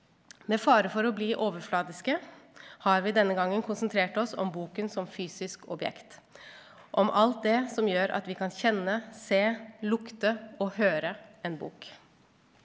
med fare for å bli overfladiske har vi denne gangen konsentrert oss om boken som fysisk objekt om alt det som gjør at vi kan kjenne, se, lukte og høre en bok.